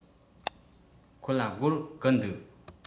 ཁོ ལ སྒོར དགུ འདུག